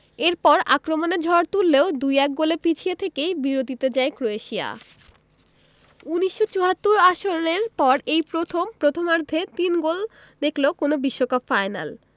এরপর আক্রমণের ঝড় তুললেও ২ ১ গোলে পিছিয়ে থেকেই বিরতিতে যায় ক্রোয়েশিয়া ১৯৭৪ আসরের পর এই প্রথম প্রথমার্ধে তিন গোল দেখল কোনো বিশ্বকাপ ফাইনাল